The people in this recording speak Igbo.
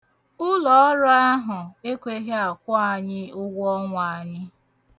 Ụlọọrụ ahụ ekweghị akwụ anyị ụgwọọnwa anyị.